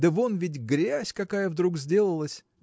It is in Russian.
да вон ведь грязь какая вдруг сделалась.